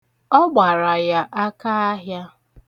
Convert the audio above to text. Ọ gbara ya akaahịa.